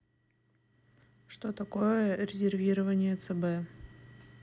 что такое резервирование цб